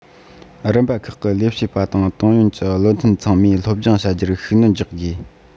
རིམ པ ཁག གི ལས བྱེད པ དང ཏང ཡོངས ཀྱི བློ མཐུན ཚང མས སློབ སྦྱོང བྱ རྒྱུར ཤུགས སྣོན རྒྱག དགོས